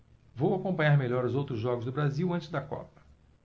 vou acompanhar melhor os outros jogos do brasil antes da copa